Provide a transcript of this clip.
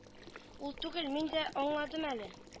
Ул түгел мин дә аңладым әле